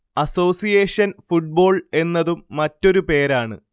association football എന്നതും മറ്റൊരു പേരാണ്